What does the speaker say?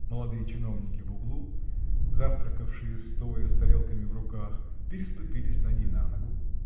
Молодые чиновники в углу, завтракавшие стоя, с тарелками в руках, переступили с ноги на ногу